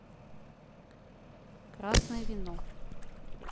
красное вино